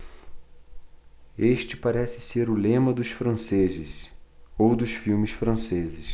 este parece ser o lema dos franceses ou dos filmes franceses